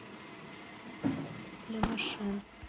для машин